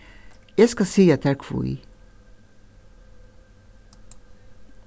eg skal siga tær hví